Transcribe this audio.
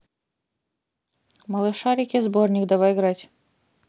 малышарики сборник давай играть